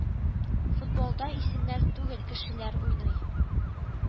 Футболда исемнәр түгел кешеләр уйный